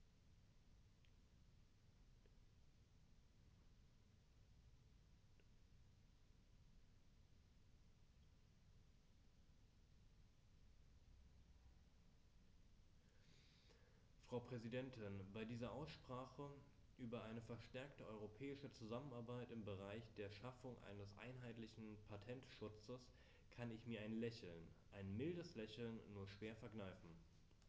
Frau Präsidentin, bei dieser Aussprache über eine verstärkte europäische Zusammenarbeit im Bereich der Schaffung eines einheitlichen Patentschutzes kann ich mir ein Lächeln - ein mildes Lächeln - nur schwer verkneifen.